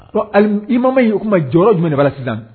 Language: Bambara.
Ɔ i ma ma y' o kuma ma jɔyɔrɔ jumɛn de bala sisan